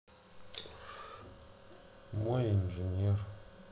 мой инженер